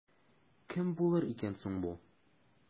Кем булыр икән соң бу?